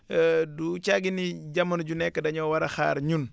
du caggin ni jamono ju nekk dañoo war a xaar ñun